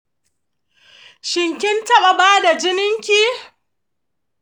shin kin taba bada jininki?